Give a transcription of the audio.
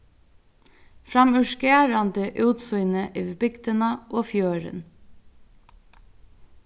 framúrskarandi útsýni yvir bygdina og fjørðin